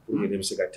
U kɔni bɛ se ka tɛ